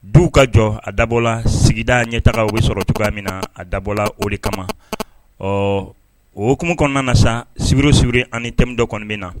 Du ka jɔ a dabɔla sigida ɲɛ taga bɛ sɔrɔ cogoya min na a dabɔla o de kama ɔ okumu kɔnɔna na sa sbiurrour ani tɛmɛ dɔ kɔni bɛ na